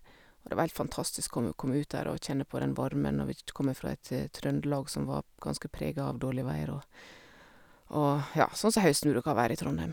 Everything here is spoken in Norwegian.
Og det var heilt fantastisk komme komme ut der og kjenne på den varmen når vi kj t kommer fra et Trøndelag som var ganske prega av dårlig vær og og, ja, sånn som høsten bruker å være i Trondheim.